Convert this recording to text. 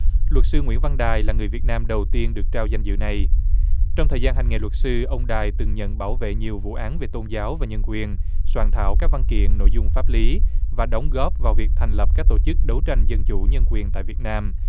luật sư nguyễn văn đài là người việt nam đầu tiên được trao danh dự này trong thời gian hành nghề luật sư ông đài từng nhận bảo vệ nhiều vụ án về tôn giáo và nhân quyền soạn thảo các văn kiện nội dung pháp lý và đóng góp vào việc thành lập các tổ chức đấu tranh dân chủ nhân quyền tại việt nam